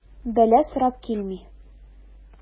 Бәла сорап килми.